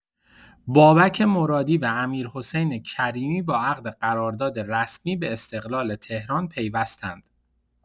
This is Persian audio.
بابک مرادی و امیرحسین کریمی با عقد قرارداد رسمی به استقلال تهران پیوستند.